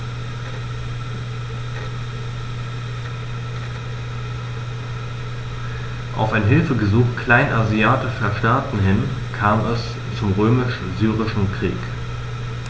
Auf ein Hilfegesuch kleinasiatischer Staaten hin kam es zum Römisch-Syrischen Krieg.